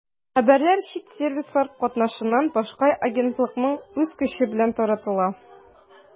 Хәбәрләр чит сервислар катнашыннан башка агентлыкның үз көче белән таратыла.